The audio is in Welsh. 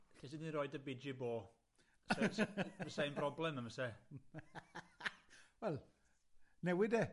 lle ti myn' i roid y biji bo? Fys- fysai'n broblem on' byse? <chwerthin? Wel, newid e.